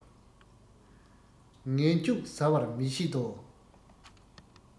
ངན སྐྱུགས ཟ བར མི བྱེད དོ